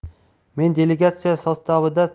men delegatsiya sostavida